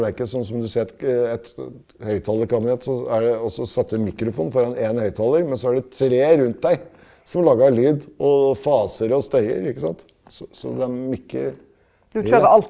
det er ikke sånn som du ser et høyttalerkabinett så er det også satt en mikrofon foran en høyttaler, men så er det tre rundt deg som lager lyd og faser og støyer ikke sant så så dem ikke .